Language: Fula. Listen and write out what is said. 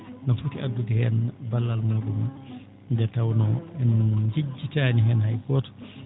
no foti addude heen ballal muu?um nde tawnoo en njejjitaani heen hay gooto